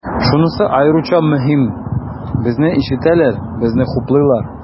Шунысы аеруча мөһим, безне ишетәләр, безне хуплыйлар.